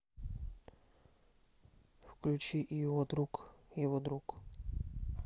включи и его друг его друг